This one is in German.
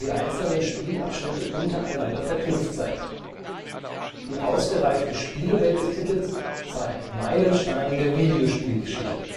einzelnen Spielabschnitte untereinander verknüpft seien. Die ausgereifte Spielwelt des Titels sei ein Meilenstein der Videospielgeschichte